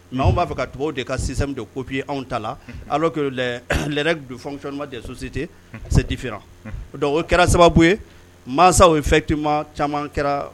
Mɛ anw b'a fɛ kababu de ka don kopi anw ta la ala don de sosite sedifin don o kɛra sababu ye masaw ye fɛn caman kɛra